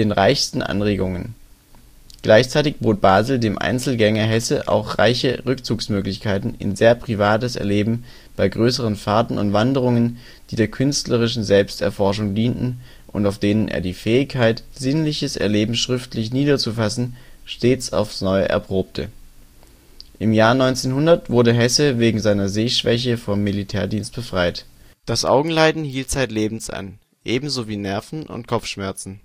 reichsten Anregungen. Gleichzeitig bot Basel dem Einzelgänger Hesse auch reiche Rückzugsmöglichkeiten in sehr privates Erleben bei größeren Fahrten und Wanderungen, die der künstlerischen Selbsterforschung dienten, und auf denen er die Fähigkeit, sinnliches Erleben schriftlich niederzufassen, stets aufs Neue erprobte. Im Jahr 1900 wurde Hesse wegen seiner Sehschwäche vom Militärdienst befreit. Das Augenleiden hielt zeitlebens an, ebenso wie Nerven - und Kopfschmerzen